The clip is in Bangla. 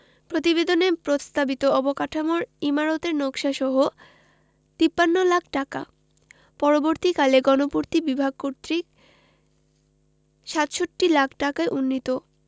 প্রতিবেদনে প্রস্তাবিত অবকাঠামোর ইমারতের নকশাসহ ৫৩ লাখ টাকা পরবর্তীকালে গণপূর্ত বিভাগ কর্তৃক ৬৭ লাখ ঢাকায় উন্নীত